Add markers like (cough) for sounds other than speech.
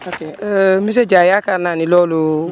ok (hesitation) monsieur Dia yaakaar naa ne loolu (hesitation)